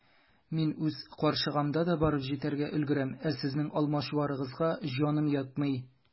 Мин үз карчыгымда да барып җитәргә өлгерәм, ә сезнең алмачуарыгызга җаным ятмый.